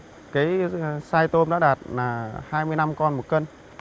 cái sai tôm đã đạt nà hai mươi năm con một cân